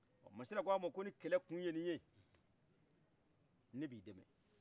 masila k'ama ko ni kɛlɛ kun ye ni de ye ne bi dɛmɛ